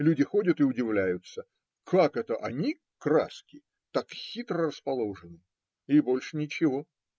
Люди ходят и удивляются: как это они, краски, так хитро расположены! И больше ничего.